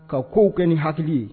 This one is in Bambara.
Ka k'o kɛ nin hakili ye